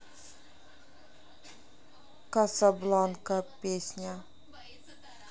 касабланка песня